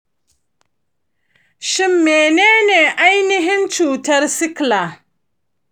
shin menene ainihin cutar skila?